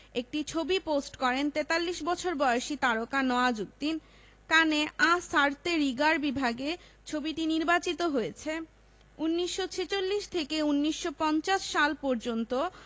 একটি ছবি পোস্ট করেন ৪৩ বছর বয়সী তারকা নওয়াজুদ্দিন কানে আঁ সারতে রিগার বিভাগে ছবিটি নির্বাচিত হয়েছে ১৯৪৬ থেকে ১৯৫০ সাল পর্যন্ত